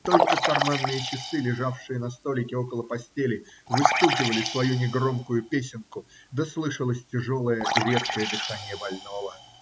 только карманные часы, лежавшие на столике около постели, выстукивали свою негромкую песенку да слышалось тяжелое и редкое дыхание больного.